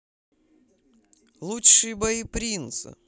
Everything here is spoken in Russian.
лучшие бои принца